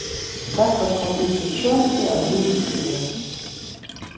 как подкатить к девчонке одиннадцать лет